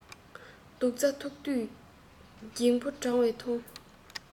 སྡུག རྩ ཐུག དུས སྒྱིད བུ གྲང བ མཐོང